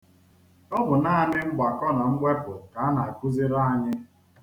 O bu naanị mgbakọ na mwepụ ka a na-akuziri anyị.